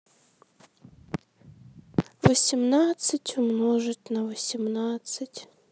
восемнадцать умножить на восемнадцать